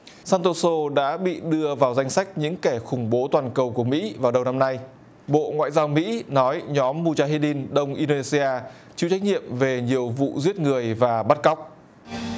xan tô xô đã bị đưa vào danh sách những kẻ khủng bố toàn cầu của mỹ vào đầu năm nay bộ ngoại giao mỹ nói nhóm mu gia hê đin đông in đô nê xi a chịu trách nhiệm về nhiều vụ giết người và bắt cóc